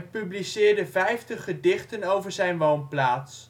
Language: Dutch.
publiceerde vijftig gedichten over zijn woonplaats